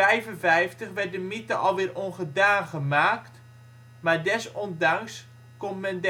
1855 werd de mythe alweer ongedaan gemaakt, maar desondanks komt men